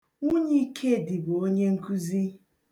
Nwunye Ikedi bụ onyenkuzi.